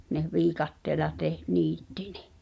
ne viikatteella - niitti ne